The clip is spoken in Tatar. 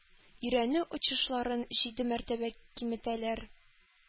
Өйрәнү очышларын җиде мәртәбә киметәләр,